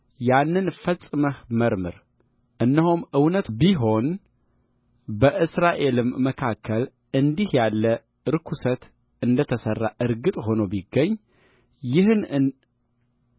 ያንን ፈጽመህ መርምር እነሆም እውነት ቢሆን በእስራኤልም መካከል እንዲህ ያለ ርኵሰት እንደ ተሠራ እርግጥ ሆኖ ቢገኝ ይህን